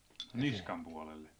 Niskan puolelle